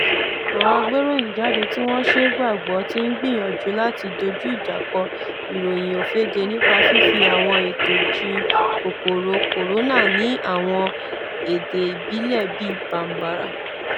Àwọn agbéròyìnjáde tí wọ́n ṣeé gbàgbọ́ ti ń gbìyànjú láti dojú ìjà kọ ìròyìn òfegè nípa fífi àwọn ètò jin kòkòrò Kòrónà ní àwọn èdè ìbílẹ̀ bíi #bambara